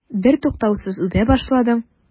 Бертуктаусыз үбә башладың.